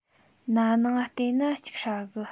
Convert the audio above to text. ན ནིང ང བལྟས ན ཅིག ཧྲ གི